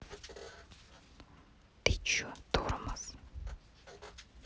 ты че тормоз